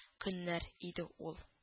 Көннәр иде ул